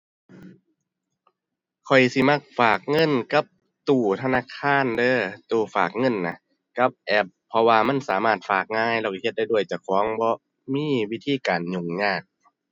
ข้อยสิมักฝากเงินกับตู้ธนาคารเด้อ ตู้ฝากเงินน่ะ กับแอป เพราะว่ามันสามารถฝากง่าย แล้วก็เฮ็ดได้ด้วยเจ้าของ บ่มีวิธีการยุ่งยาก